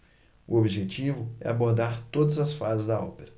o objetivo é abordar todas as fases da ópera